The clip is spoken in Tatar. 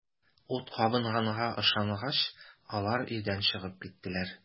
Ут кабынганга ышангач, алар өйдән чыгып киттеләр.